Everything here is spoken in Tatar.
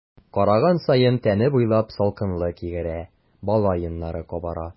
Караган саен тәне буйлап салкынлык йөгерә, бала йоннары кабара.